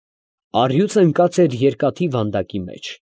Առյուծը ընկած էր երկաթի վանդակի մեջ։